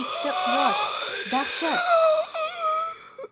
ikkita quyosh dahshat